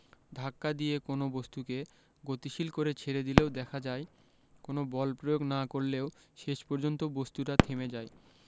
ধাক্কা দিয়ে কোনো বস্তুকে গতিশীল করে ছেড়ে দিলেও দেখা যায় কোনো বল প্রয়োগ না করলেও শেষ পর্যন্ত বস্তুটা থেমে যায়